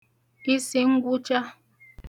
isingwụcha